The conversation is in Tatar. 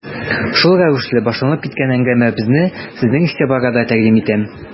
Шул рәвешле башланып киткән әңгәмәбезне сезнең игътибарга да тәкъдим итәм.